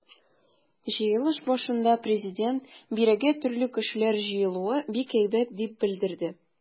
Җыелыш башында Президент: “Бирегә төрле кешеләр җыелуы бик әйбәт", - дип белдерде.